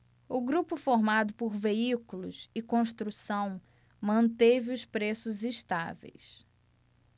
o grupo formado por veículos e construção manteve os preços estáveis